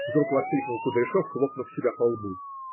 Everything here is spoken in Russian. - вдруг вскрикнул Кудряшов, хлопнув себя по лбу